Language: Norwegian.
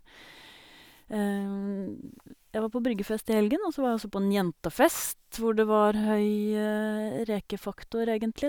Jeg var på bryggefest i helgen, og så var jeg også på en jentefest hvor det var høy rekefaktor, egentlig.